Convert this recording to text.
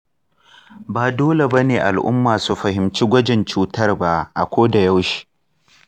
ba dole bane al'umma su fahimci gwajin cutar ba akoda yaushe.